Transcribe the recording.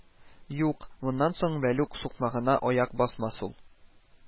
Юк, моннан соң Вәлүк сукмагына аяк басмас ул